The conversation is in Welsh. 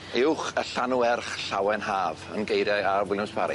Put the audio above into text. Uwch y Llanw erch llawenhaf yn geirie Are Williams Parry.